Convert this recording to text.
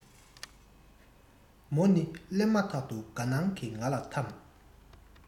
མོ ནི སླེབ མ ཐག ཏུ དགའ སྣང གི ང ལ ཐམས